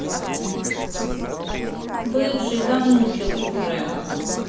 бывший замучил уже